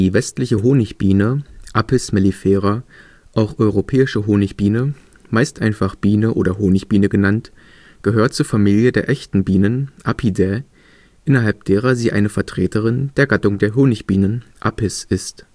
Westliche Honigbiene (Apis mellifera), auch Europäische Honigbiene, meist einfach Biene oder Honigbiene genannt, gehört zur Familie der Echten Bienen (Apidae), innerhalb derer sie eine Vertreterin der Gattung der Honigbienen (Apis) ist